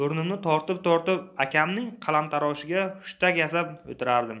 burnimni tortibtortib akamning qalamtaroshida hushtak yasab o'tirardim